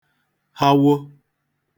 hawo